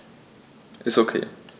Ist OK.